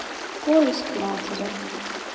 поиск матери